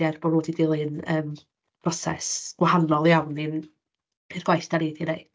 Er bod nhw 'di dilyn ym proses gwahanol iawn i'n... i'r gwaith rydym ni 'di wneud.